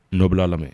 N dɔbila a lamɛn